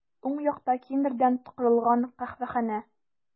Уң якта киндердән корылган каһвәханә.